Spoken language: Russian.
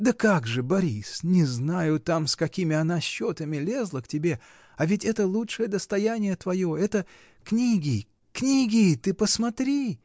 — Да как же, Борис: не знаю там, с какими она счетами лезла к тебе, а ведь это лучшее достояние твое, это — книги, книги. Ты посмотри!